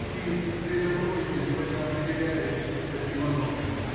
убит рядовой из вольноопределяющихся Иванов.